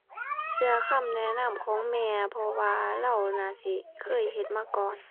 เชื่อคำแนะนำของแม่ เพราะว่าเลาน่าสิเคยเฮ็ดมาก่อน